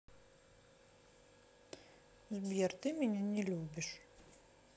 сбер ты меня не любишь